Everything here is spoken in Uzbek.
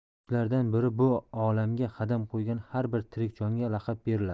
shulardan biri bu olamga qadam qo'ygan har bir tirik jonga laqab beriladi